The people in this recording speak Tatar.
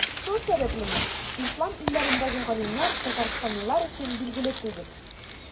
Шул сәбәплеме, Ислам илләрендәге галимнәр Татарстанлылар өчен билгеле түгел.